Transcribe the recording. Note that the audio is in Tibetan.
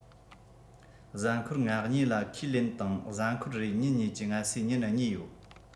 གཟའ འཁོར ༥༢ ལ ཁས ལེན དང གཟའ འཁོར རེར ཉིན གཉིས ཀྱི ངལ གསོའི ཉིན གཉིས ཡོད